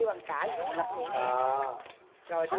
kêu bằng cả vú lấp miệng em rồi đó